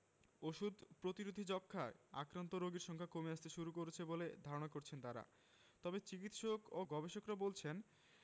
ওষুধ প্রতিরোধী যক্ষ্মায় আক্রান্ত রোগীর সংখ্যা কমে আসতে শুরু করেছে বলে ধারণা করছেন তারা তবে চিকিৎসক ও গবেষকরা বলছেন